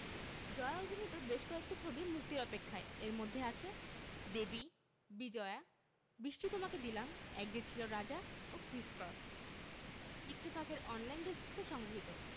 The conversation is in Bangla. জয়া অভিনীত বেশ কয়েকটি ছবি মুক্তির অপেক্ষায় এর মধ্যে আছে দেবী বিজয়া বৃষ্টি তোমাকে দিলাম এক যে ছিল রাজা ও ক্রিস ক্রস ইত্তেফাক এর অনলাইন ডেস্ক থেকে সংগৃহীত